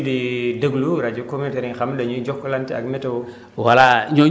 ñuy faral aussi di déglu rajo communautaires yi nga xam dañuy jokkalante ak météo